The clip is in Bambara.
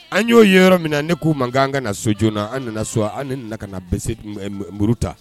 An y'o yɔrɔ min na ne k'u mankan an ka na so joonana an nana so an ni ka na bɛ se nba muruuru ta